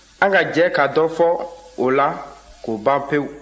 an ka jɛ ka dɔ fɔ o la k'a ban pewu